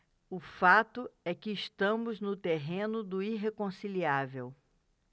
o fato é que estamos no terreno do irreconciliável